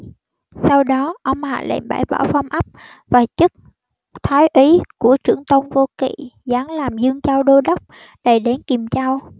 sau đó ông hạ lệnh bãi bỏ phong ấp và chức thái úy của trưởng tôn vô kị giáng làm dương châu đô đốc đày đến kiềm châu